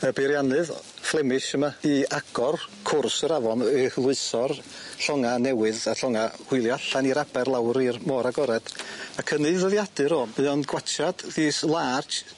y beiriannydd Flemish yma i agor cwrs yr afon i llwyso'r llonga newydd a llonga hwylio allan i'r aber lawr i'r môr agored ac yn ei ddyddiadur o bu o'n gwatsiad this large